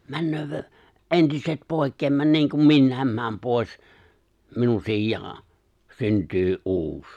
- entiset pois - niin kuin minäkin menen pois minun sijaan syntyy uusi